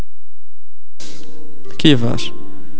كيفك